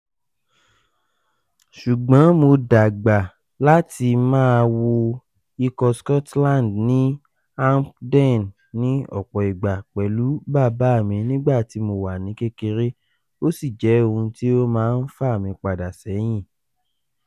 ’’Ṣùgbọ́n mo dàgbà láti máa wo ikọ̀ Scotland ní Hampden ní ọ̀pọ̀ ìgbà pẹ̀lú bàbá mi nígbà tí mo wà ní kékeré, ó sì jẹ́ ohun tí ó ma ń fà mí padà sẹ́hìn.